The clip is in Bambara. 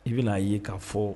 I bɛna' a ye k'a fɔ